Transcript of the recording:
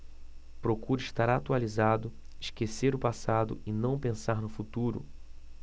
procuro estar atualizado esquecer o passado e não pensar no futuro